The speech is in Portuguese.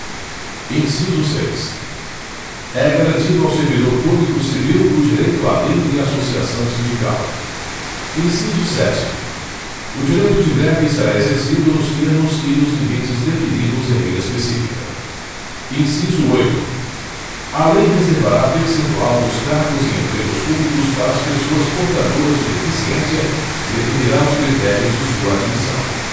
inciso seis é garantido ao servidor público civil o direito à livre associação sindical inciso sete o direito de greve será exercido nos termos e nos limites definidos em lei específica inciso oito a lei reservará percentual dos cargos e empregos públicos para as pessoas portadoras de deficiência e definirá os critérios de sua admissão